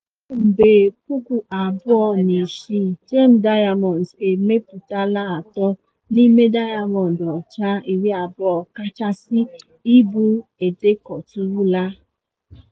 Kemgbe 2006, Gem Diamonds emepụtala atọ n'ịme dayamọndụ ọcha 20 kachasị ibu edekọtụrụla.